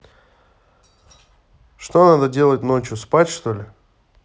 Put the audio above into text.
что надо делать ночью спать чтоль